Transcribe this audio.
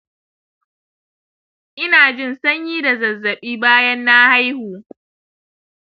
ina jin sanyi da zazzaɓi bayan na haihu